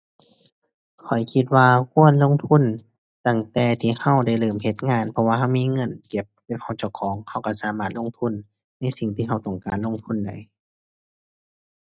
ข้อยคิดว่าควรลงทุนตั้งแต่ที่เราได้เริ่มเฮ็ดงาน เพราะว่าเรามีเงินเก็บเป็นของเจ้าของ เราเราสามารถลงทุนในสิ่งที่เราต้องการลงทุนได้